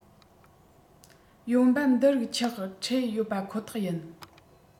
ཡོང འབབ འདི རིགས ཆག འཕྲད ཡོད པ ཁོ ཐག ཡིན